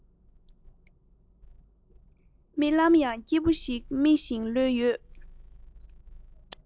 རྨི ལམ ཡང སྐྱིད པོ ཞིག རྨི བཞིན ལོས ཡོད